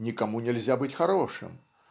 никому нельзя быть хорошим